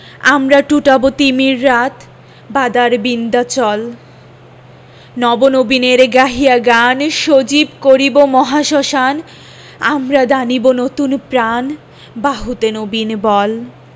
আমরা টুটাব তিমির রাত বাদার বিন্দ্যাচল নব নবীনের গাহিয়া গান সজীব করিব মহাশ্মশান আমরা দানিব নতুন প্রাণ বাহুতে নবীন বল